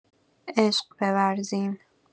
عشق بورزیم.